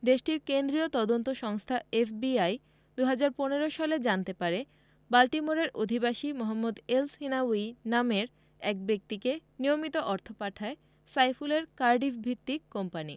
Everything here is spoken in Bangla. দেশটির কেন্দ্রীয় তদন্ত সংস্থা এফবিআই ২০১৫ সালে জানতে পারে বাল্টিমোরের অধিবাসী মোহাম্মদ এলসহিনাউয়ি নামের এক ব্যক্তিকে নিয়মিত অর্থ পাঠায় সাইফুলের কার্ডিফভিত্তিক কোম্পানি